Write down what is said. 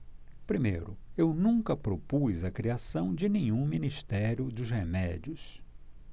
primeiro eu nunca propus a criação de nenhum ministério dos remédios